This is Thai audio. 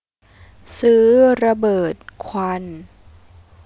ซื้อระเบิดควัน